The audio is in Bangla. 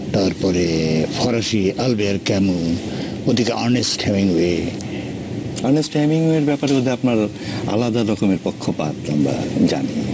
তারপরে ফরাসি আলব্যের ক্যামু ওদিকে আর্নেস্ট হেমিংওয়ে আর্নেস্ট হেমিংওয়ের ব্যাপারে আপনার আলাদা রকমের পক্ষপাত আমরা জানি